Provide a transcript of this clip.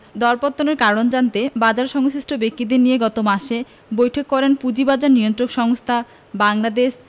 দরপতনের কারণ জানতে বাজারসংশ্লিষ্ট ব্যক্তিদের নিয়ে গত মাসে বৈঠক করেন পুঁজিবাজার নিয়ন্ত্রক সংস্থা বাংলাদেশ